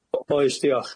O- oes diolch.